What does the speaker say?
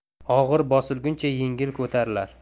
og'ir bosilguncha yengil ko'tarilar